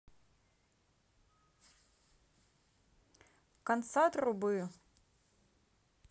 конца трубы